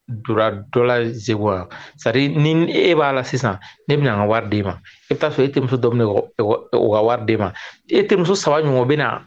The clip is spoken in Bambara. Du dɔla sego sari ni e b'a la sisan ne bɛ wariden ma e bɛ' fɔ e te dɔ wariden ma e te saba ɲɔgɔn bɛ na